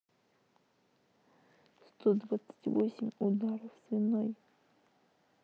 сто двадцать восемь ударов свиной